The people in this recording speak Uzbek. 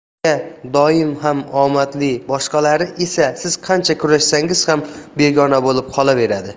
nega doim ham omadli boshqalari esa siz qancha kurashsangiz ham begona bo'lib qolaveradi